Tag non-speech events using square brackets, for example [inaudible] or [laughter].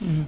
[hesitation] [hesitation]